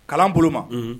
Kalan bolo ma